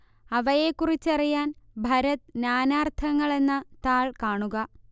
അവയെക്കുറിച്ചറിയാൻ ഭരത് നാനാർത്ഥങ്ങളെന്ന താൾ കാണുക